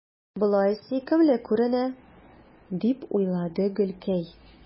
Болай сөйкемле күренә, – дип уйлады Гөлкәй.